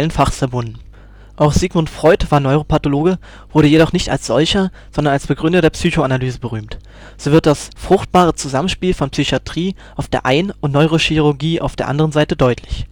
Fachs verbunden. Auch Sigmund Freud war Neuropathologe, wurde jedoch nicht als solcher, sondern als Begründer der Psychoanalyse berühmt. So wird das fruchtbare Zusammenspiel von Psychiatrie auf der einen und Neurochirurgie auf der anderen Seite deutlich